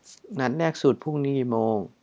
นัดแรกสุดพรุ่งนี้กี่โมง